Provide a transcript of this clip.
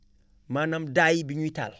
maanaam daay bi ñuy taal